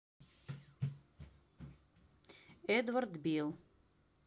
edward bil